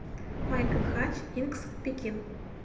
майкл хатч inxs пекин